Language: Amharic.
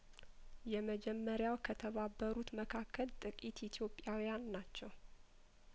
የመጀመሪያው ከተባረሩት መካከል ጥቂት ኢትዮጵያውያን ናቸው